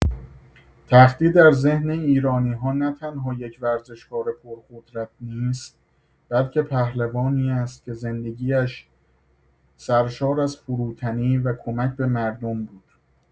تختی در ذهن ایرانی‌‌ها تنها یک ورزشکار پرقدرت نیست، بلکه پهلوانی است که زندگی‌اش سرشار از فروتنی و کمک به مردم بود.